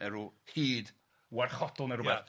Ne' rw hyd warchodol ne rwbeth. Ia.